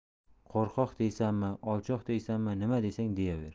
qo'rqoq deysanmi olchoq deysanmi nima desang deyaver